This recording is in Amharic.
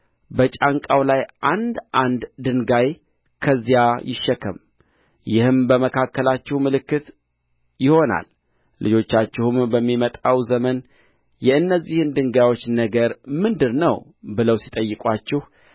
በጫንቃው ላይ አንድ አንድ ድንጋይ ከዚያ ይሸከም ይህም በመካከላችሁ ምልክት ይሆናል ልጆቻችሁም በሚመጣው ዘመን የእነዚህ ድንጋዮች ነገር ምንድር ነው ብለው ሲጠይቁአችሁ